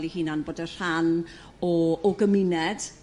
'i huna'n bod yn rhan o o gymuned.